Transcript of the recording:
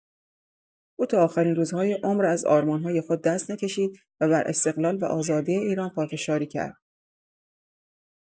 او تا آخرین روزهای عمر از آرمان‌های خود دست نکشید و بر استقلال و آزادی ایران پافشاری کرد.